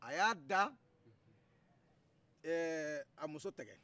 a y'a d'a muso tigɛ